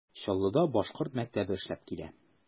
Чаллыда башкорт мәктәбе эшләп килә.